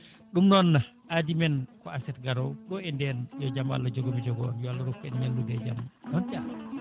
ɗum noon aadi men ko aset garowo ɗo e den yo jaam Allah jogomen jogo on o Allah rokku en ñallude e jaam on jarama